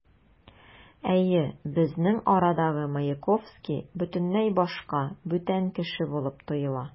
Әйе, безнең арадагы Маяковский бөтенләй башка, бүтән кеше булып тоела.